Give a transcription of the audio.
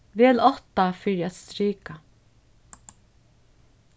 vel átta fyri at strika